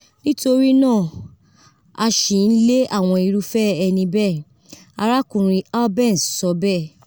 Nitori naa a ṣi n le awọn irufẹ ẹni bẹẹ,” Arakunrin Albence sọ bẹẹ.